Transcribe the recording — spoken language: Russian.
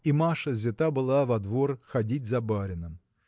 и Маша взята была во двор ходить за барином.